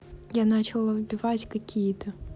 я начала вбивать какие то